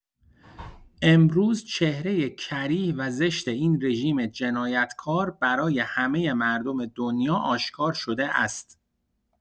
امروز چهره کریه و زشت این رژیم جنایت‌کار برای همه مردم دنیا آشکار شده است.